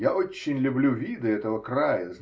Я очень люблю виды этого края.